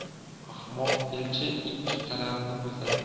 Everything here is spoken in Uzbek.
ahmoq elchi ikki tarafni buzar